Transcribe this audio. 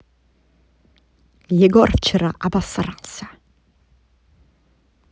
егор вчера обосрался